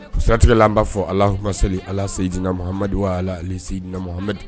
Satigɛ an b' fɔ alahas alazdinamaduduseinahamadu